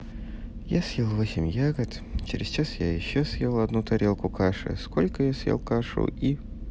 я съел восемь ягод через час я еще съел одну тарелку каши сколько я съел кашу и